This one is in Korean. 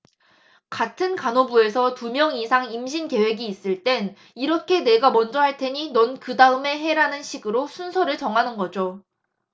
같은 간호부에서 두 명 이상 임신 계획이 있을 땐 이렇게 내가 먼저 할 테니 넌 그다음에 해라는 식으로 순서를 정하는 거죠